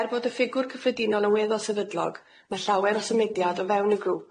Er bod y ffigwr cyffredinol yn weddol sefydlog, ma' llawer o symudiad o fewn y grŵp.